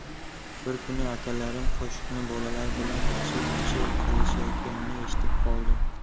bir kuni akalarim qo'shni bolalar bilan pichir pichir qilishayotganini eshitib qoldim